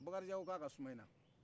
bakarijan ko k'a ka souma i na